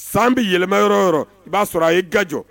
San bɛ yɛlɛma yɔrɔ yɔrɔ i b'a sɔrɔ a ye gajɔ